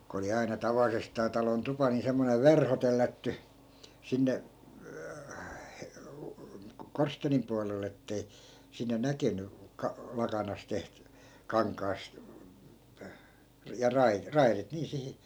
kun oli aina tavallisestaan talon tupa niin semmoinen verho tellätty sinne korsteenin puolelle että ei sinne nähnyt - lakanasta - kankaasta ja - raidit niin siihen